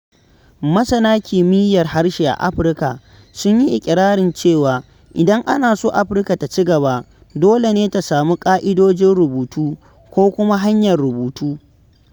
Masana kimiyyar harshe a Afirka sun yi iƙirarin cewa, idan ana so Afirka ta ci gaba, to dole ne ta samu ƙa'idojin rubutu ko kuma hanyar rubutu.